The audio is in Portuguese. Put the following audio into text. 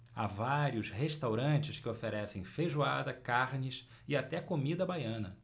há vários restaurantes que oferecem feijoada carnes e até comida baiana